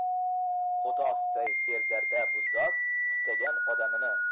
qo'tosdek serzarda bu zot istagan odamini